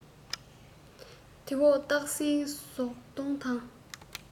དེ འོག སྟག སྲིང ཟོར གདོང དང